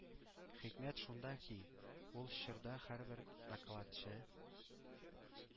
Хикмәт шунда ки, ул чорда һәрбер докладчы